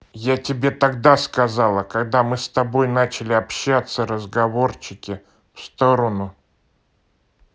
я тебе тогда сказала когда мы с тобой начали общаться разговорчики в сторону